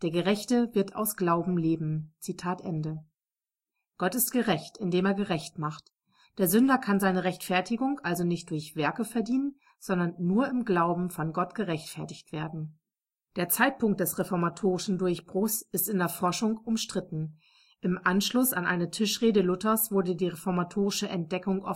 Gerechte wird aus Glauben leben. ‘“(Röm 1,17 LUT). Gott ist gerecht, indem er gerecht macht. Der Sünder kann seine Rechtfertigung also nicht durch Werke verdienen, sondern nur im Glauben von Gott gerechtfertigt werden. Der Zeitpunkt des reformatorischen Durchbruchs ist in der Forschung umstritten. Im Anschluss an eine Tischrede Luthers wurde die reformatorische Entdeckung